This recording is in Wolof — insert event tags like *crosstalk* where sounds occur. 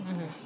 *hesitation* *hesitation*